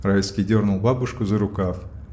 Райский дернул бабушку за рукав.